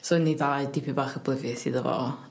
so 'yn ni ddau dipyn bach oblivious iddo fo.